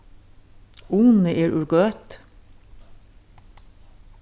uni er úr gøtu